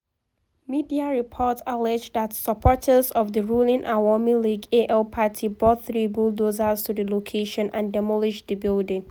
Media reports alleged that supporters of the ruling Awami League (AL) party brought three bulldozers to the location and demolished the building.